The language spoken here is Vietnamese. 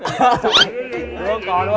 đúng không có đúng